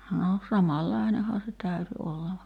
no samanlainenhan se täytyi olla vaan